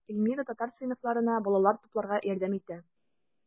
Эльмира татар сыйныфларына балалар тупларга ярдәм итә.